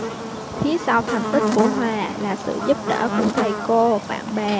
phía sau thành tích của hòa là sự giúp đỡ của thầy cô bạn bè